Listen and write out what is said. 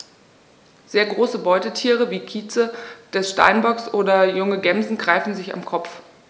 Sehr große Beutetiere wie Kitze des Steinbocks oder junge Gämsen greifen sie am Kopf.